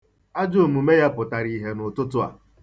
Ajọ omume ya pụtara ihie n'ụtụtụ a.